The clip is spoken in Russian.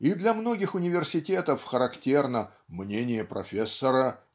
И для многих университетов характерно "мнение профессора